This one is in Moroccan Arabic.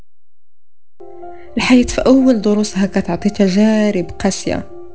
نحيف اول ضروسها تعطيك تجارب قصيره